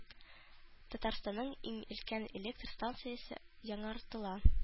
Татарстанның иң өлкән электр станциясе яңартыла